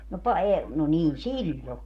no -- no niin silloin